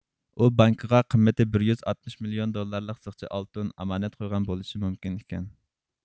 ئۇ بانكىغا قىممىتى بىر يۈز ئاتمىش مىليون دوللارلىق زىخچە ئالتۇن ئامانەت قويغان بولۇشى مۇمكىن ئىكەن